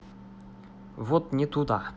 вот не туда